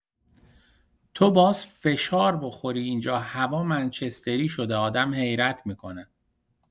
تو باس فشار بخوری اینجا هوا منچستری شده آدم حیرت می‌کند.